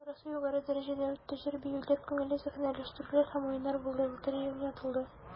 Чарасы югары дәрәҗәдә үтте, җыр-биюләр, күңелле сәхнәләштерүләр һәм уеннар булды, лотерея уйнатылды.